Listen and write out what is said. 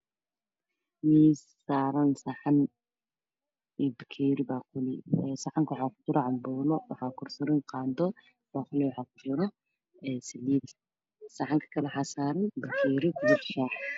Miis saaran saxan iyo bakeri baaquli ah saxanka waxaa kujiro canbuuulo waxaa kor sudhan qaando baaquliga waxaa kujiro